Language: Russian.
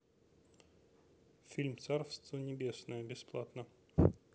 фильм царство небесное бесплатно